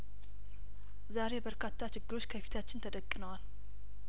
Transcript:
ዛሬ በርካታ ችግሮች ከፊታችን ተደቅ ነዋል